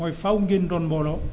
mooy faaw ngeen doon mbooloo